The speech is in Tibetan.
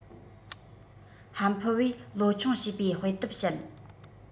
ཧམ ཕུ བོས ལོ ཆུང བྱིས པའི དཔེ དེབ བཤད